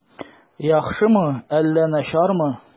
Яхшымы әллә начармы?